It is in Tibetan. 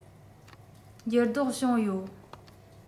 འགྱུར ལྡོག བྱུང ཡོད